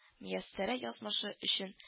Мияссәрә язмышы өчен